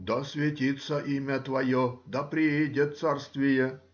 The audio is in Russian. да святится Имя Твое, да приидет царствие.